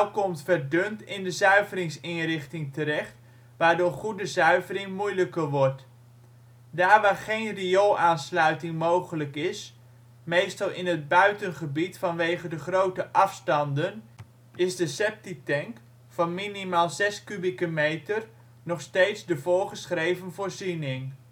komt verdund in de zuiveringsinrichting terecht, waardoor goede zuivering moeilijker wordt. Daar waar geen rioolaansluiting mogelijk is, meestal in het buitengebied vanwege de grote afstanden, is de septic tank (van minimaal 6 m3) nog steeds de voorgeschreven voorziening